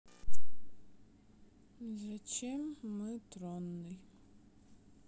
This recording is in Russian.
зачем мы тронный